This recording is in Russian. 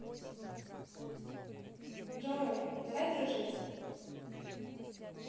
джой давай дружить